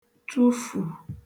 tufù